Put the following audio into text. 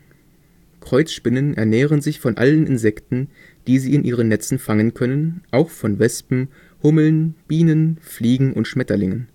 Kreuzspinnen ernähren sich von allen Insekten, die sie in ihren Netzen fangen können, auch von Wespen, Hummeln, Bienen, Fliegen und Schmetterlingen